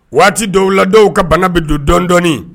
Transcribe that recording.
Waati dɔw la dɔw ka bana bɛ don dɔɔnin dɔɔnin